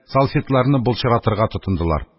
Салфетларны былчыратырга тотындылар.